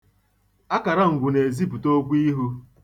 Akara ngwu na-ezipụta okwu ihu.